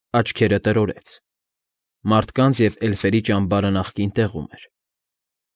Աչքերը տրորեց։ Մարդկանց և էլֆերի ճամբարը նախկին տեղում էր։